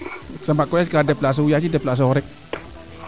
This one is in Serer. Samba ko yaac ka deplacer u yaaci deplacer u rek